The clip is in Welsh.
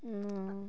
Na.